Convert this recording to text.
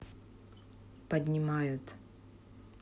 поднимают